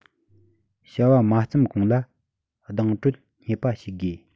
བྱ བ མ བརྩམས གོང ལ གདེང དྲོད རྙེད པ ཞིག དགོས